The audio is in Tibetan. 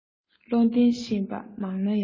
བློ ངན ཤེས པ མང ན ཡང